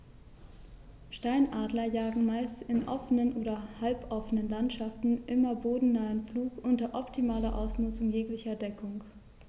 Steinadler jagen meist in offenen oder halboffenen Landschaften im bodennahen Flug unter optimaler Ausnutzung jeglicher Deckung.